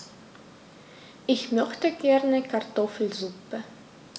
Ich möchte gerne Kartoffelsuppe.